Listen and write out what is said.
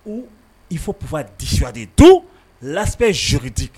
U i fɔpfa disuwa de don la zodi